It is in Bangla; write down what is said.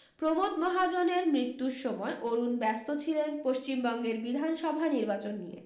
প্রমোদ মহাজনের মৃত্যুর সময় অরুণ ব্যস্ত ছিলেন পশ্চিমবঙ্গের বিধানসভা নির্বাচন নিয়ে